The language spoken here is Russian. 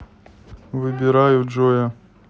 выбираю джоя